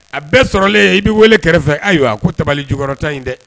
A bɛɛ sɔrɔlen i bɛ wele kɛrɛfɛ ayiwa ko table jukɔrɔta in da.